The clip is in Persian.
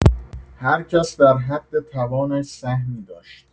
هرکس در حد توانش سهمی داشت.